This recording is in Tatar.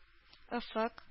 Офык